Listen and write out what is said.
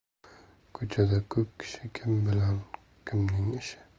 ko'chada ko'p kishi kim bilan kimning ishi